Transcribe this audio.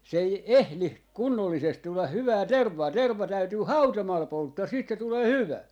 se ei ehdi kunnollisesti tulla hyvää tervaa terva täytyy hautomalla polttaa sitten se tulee hyvä